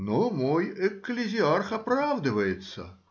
Но мой экклезиарх оправдывается